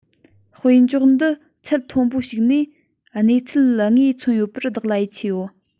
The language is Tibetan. དཔེ འཇོག འདི ཚད ཆེན པོ ཞིག ནས གནས ཚུལ དངོས མཚོན ཡོད པར བདག ལ ཡིད ཆེས ཡོད